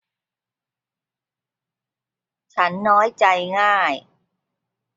ฉันน้อยใจง่าย